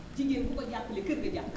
jigéen ku ko jàppale kër nga jàppale